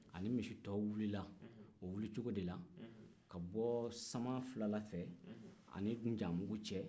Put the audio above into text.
a ni misi tɔw wilila o wili cogo de la ka bɔ saman fulala fɛ ani zanbugu cɛ